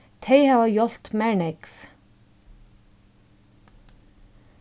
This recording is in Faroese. tey hava hjálpt mær nógv